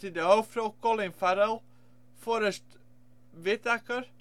de hoofdrol Colin Farrell, Forest Whitaker